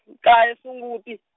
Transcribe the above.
nkaye Sunguti.